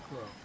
waaw